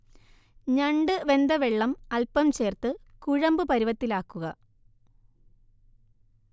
ഞണ്ട് വെന്ത വെള്ളം അൽപം ചേർത്ത് കുഴമ്പ് പരുവത്തിലാക്കുക